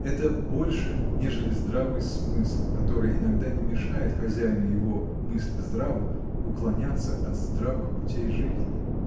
Это больше, нежели здравый смысл, который иногда не мешает хозяину его, мысля здраво, уклоняться от здравых путей жизни.